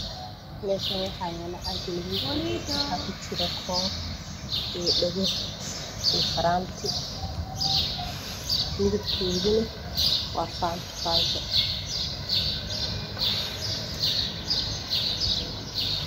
Meeshan waxaa yaalo caag madoow waxaa kujiro qoor iyo dhago iyo faraanti midabkooduna waa faanto faanto